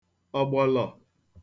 ọ̀gbọ̀lọ̀